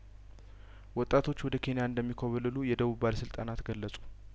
ወጣቶች ወደ ኬንያ እንደሚኮበልሉ የደቡብ ባለስልጣናት ገለጹ